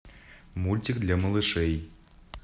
мультик для малышей